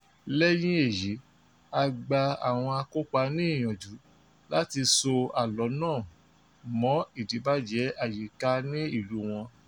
Lẹ́yìn èyí, a gba àwọn akópa ní ìyànjú láti so àlọ́ náà mọ́ ìdìbàjẹ́ àyíká ní ìlúu wọn.